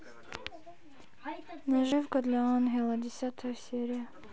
наживка для ангела десятая серия